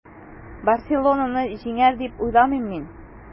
“барселона”ны җиңәр, дип уйламыйм мин.